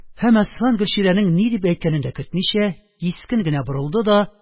Һәм Әсфан Гөлчирәнең ни дип әйткәнен дә көтмичә, кискен генә борылды да